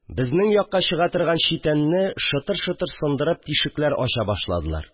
Безнең якка чыга торган читәнне шытыр-шытыр сындырып, тишекләр ача башладылар